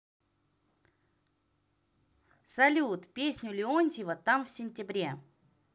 салют песню леонтьева там в сентябре